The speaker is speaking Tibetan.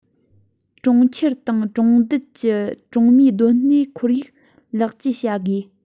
གྲོང ཁྱེར དང གྲོང རྡལ གྱི གྲོང མིའི སྡོད གནས ཁོར ཡུག ལེགས བཅོས བྱ དགོས